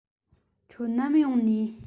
ཁྱོད ནམ ཡོང ནིས